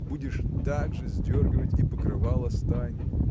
будешь также сдергивать и покрывало с тайн.